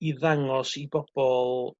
i ddangos i bobol